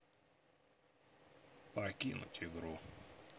покинуть игру